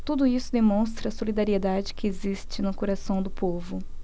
tudo isso demonstra a solidariedade que existe no coração do povo